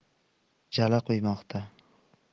jala quymoqda